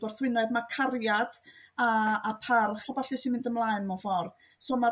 gwrthwyneb ma' cariad a a parch a ballu sy'n mynd ymlaen mewn ffor' so ma'